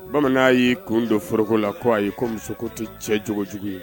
Bamanan y'i kun don foroko la ko ayi ye ko muso ko tɛ cɛ cogojugu ye